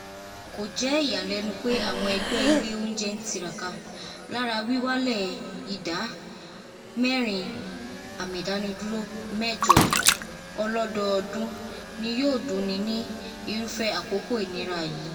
Kojẹ iyanilẹnu pe awọn ẹgbẹ ile ounjẹ n tiraka, lara wiwale ida 4.8 ọlọdọọdun ni yoo dunni ni irufẹ akoko inira yii.